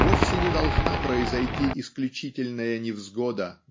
вовсе не должна произойти исключительная невзгода